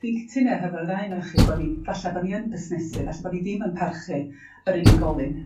fi'n cytuno hefo'r ddau ohonoch chi bo' ni falle bo' ni yn busnesu falle bo' ni ddim yn parchu yr unigolyn